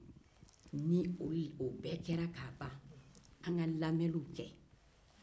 ni o bɛɛ kɛra k'a ban an lamɛnniw kɛ